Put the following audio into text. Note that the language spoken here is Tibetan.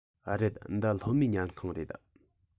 རེད འདི སློབ མའི ཉལ ཁང རེད